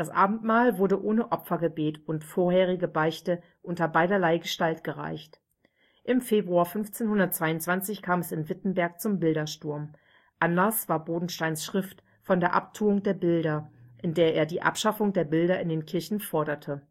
Abendmahl wurde ohne Opfergebet und vorherige Beichte unter beiderlei Gestalt gereicht. Im Februar 1522 kam es in Wittenberg zum Bildersturm. Anlass war Bodensteins Schrift Von der Abtuung der Bilder, in der er die Abschaffung der Bilder in den Kirchen forderte